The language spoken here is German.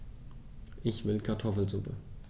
Ich will Kartoffelsuppe.